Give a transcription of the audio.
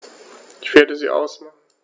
Ich werde sie ausmachen.